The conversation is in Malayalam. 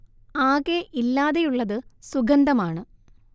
ആകെ ഇല്ലാതെയുള്ളത് സുഗന്ധമാണ്